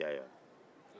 i y'a ye wa